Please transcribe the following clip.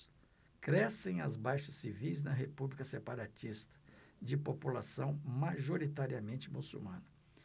crescem as baixas civis na república separatista de população majoritariamente muçulmana